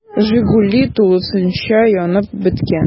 “жигули” тулысынча янып беткән.